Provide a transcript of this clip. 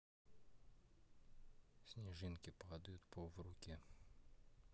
снежинки падают по в руке